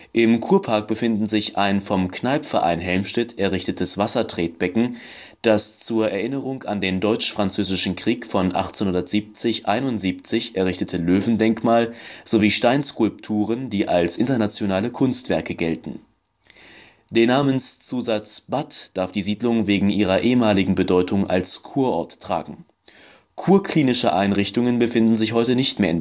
Im Kurpark befinden sich ein vom Kneipp-Verein Helmstedt errichtete Wassertretbecken, das zur Erinnerung an den Deutsch-Französischen Krieg von 1870 / 71 errichtete Löwendenkmal sowie Stein-Skulpturen, die als internationale Kunstwerke gelten. Den Namenszusatz „ Bad “darf die Siedlung wegen ihrer ehemaligen Bedeutung als Kurort tragen. Kurklinische Einrichtungen befinden sich heute nicht mehr